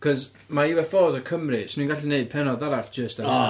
Cos, ma' UFOs yn Cymru, 'swn i'n gallu gwneud penod arall jyst ar hynna.